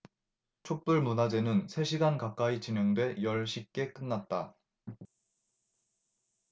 촛불 문화제는 세 시간 가까이 진행돼 열 시께 끝났다